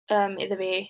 yym, iddo fi.